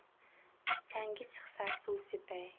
changi chiqsa suv sepay